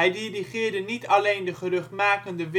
dirigeerde niet alleen de geruchtmakende